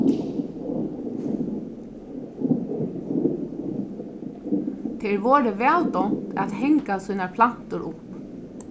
tað er vorðið væl dámt at hanga sínar plantur upp